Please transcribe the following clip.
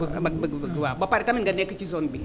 bëgg nag bëgg bëgg waaw ba pare tamit nga nekk ci zone bi